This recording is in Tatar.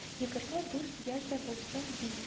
Егерме дүрт яшь тә булсын ди